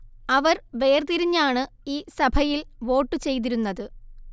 അവർ വേർ തിരിഞ്ഞാണ് ഈ സഭയിൽ വോട്ടു ചെയ്തിരുന്നത്